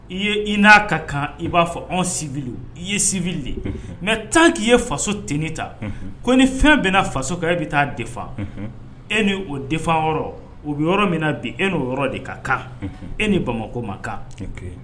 I ye i n'a ka kan i b'a fɔ anw civil w i ye civil de ye unhun mais tant que i ye faso tenue ta unhun ko ni fɛn benna faso kan e be taa a défend unhun e ni o défend yɔrɔ o be yɔrɔ min na bi e n'o yɔrɔ de ka kan unhun e ni Bamakɔ man kan ok